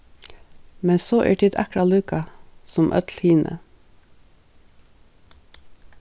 men so eru tit akkurát líka sum øll hini